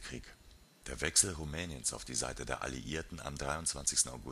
Der Wechsel Rumäniens auf die Seite der Alliierten am 23.